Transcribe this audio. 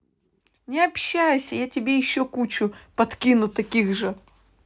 ну обращайся я тебе еще кучу подкину таких же